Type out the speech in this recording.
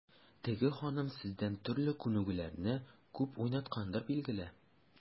Теге ханым сездән төрле күнегүләрне күп уйнаткандыр, билгеле.